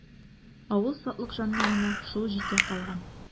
Авыл сатлыкҗаннарына шул җитә калган.